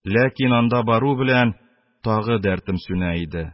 Ләкин анда бару белән тагы дәртем сүнә иде.